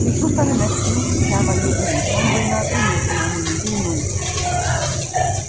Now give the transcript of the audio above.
í fluttari merking kavaði eg inn í samveruna við nøkrum av mínum vinum